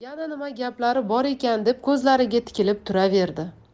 yana nima gaplari bor ekan deb ko'zlariga tikilib turaverdi